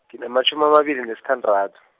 nginamatjhumi amabili nesithandathu.